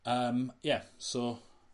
yym ie so...